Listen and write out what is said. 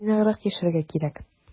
Тыйнаграк яшәргә кирәк.